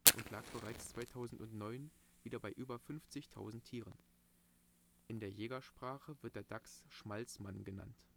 und lag bereits 2009 wieder bei über 50.000 Tieren. In der Jägersprache wird der Dachs " Schmalzmann " genannt